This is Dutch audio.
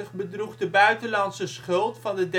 bedroeg de buitenlandse schuld van de